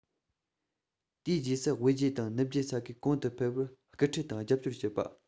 དེའི རྗེས སུ དབུས རྒྱུད དང ནུབ རྒྱུད ས ཁུལ གོང དུ འཕེལ བར སྐུལ ཁྲིད དང རྒྱབ སྐྱོར བྱེད པ